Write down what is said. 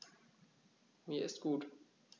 Mir ist gut.